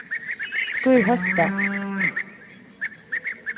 skírhósdag